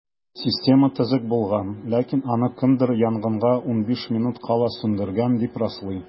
Система төзек булган, ләкин аны кемдер янгынга 15 минут кала сүндергән, дип раслый.